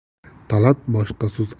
talat boshqa so'z